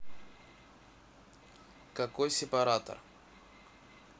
какой сепаратор